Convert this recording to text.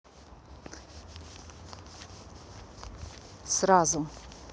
сразу